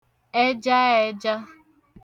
ẹjaẹja